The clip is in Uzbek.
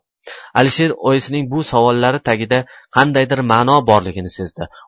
alisher oyisining bu savollari tagida qandaydir ma'no borligini sezdi